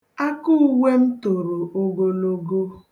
Akauwe m toro ogologo